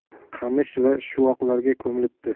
qamish va shuvoqlarga ko'milibdi